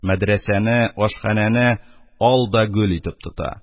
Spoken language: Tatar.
Мәдрәсәне, ашханәне ал да гөл итеп тота.